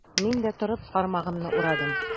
Мин дә, торып, кармагымны урадым.